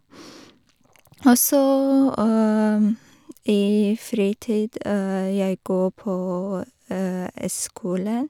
Og så i fritid jeg gå på skolen.